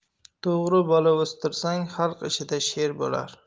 to'g'ri bola o'stirsang xalq ichida sher bo'lar